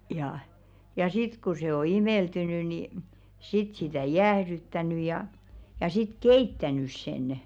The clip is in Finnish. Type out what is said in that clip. ja ja sitten kun se on imeltynyt niin sitten sitä jäähdyttänyt ja ja sitten keittänyt sen